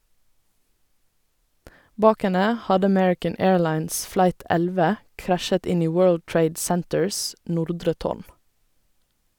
Bak henne hadde American Airlines Flight 11 krasjet inn i World Trade Centers nordre tårn.